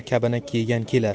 kebanak kiygan kelar